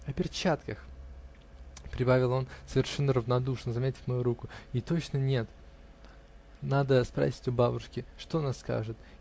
о перчатках, -- прибавил он совершенно равнодушно, заметив мою руку, -- и точно нет надо спросить у бабушки. что она скажет?